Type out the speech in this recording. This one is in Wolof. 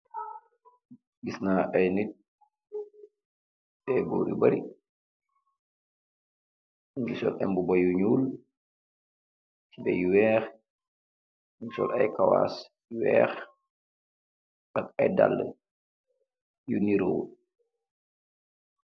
Gisna ay nit, ayboor yu bari, ngisol imbuba yu ñuul, tubai yu weex, nyingi sol ay kawaas yu weex ak ay dàlla yu niru